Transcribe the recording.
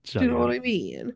Do you know what I mean?